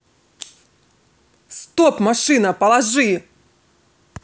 стоп машина положи